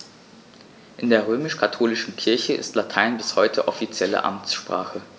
In der römisch-katholischen Kirche ist Latein bis heute offizielle Amtssprache.